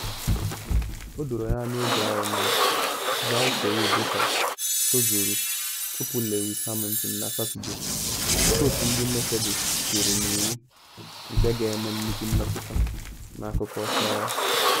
O doro anya n’oge ahụ na Valtteri Bottas tozuru tupu Lewis Hamilton na Satọde nke otu ndị Mercedes tiri n’iwu nke ga-eme nnukwu mmetụta n’akụkụ ọsọ ahụ.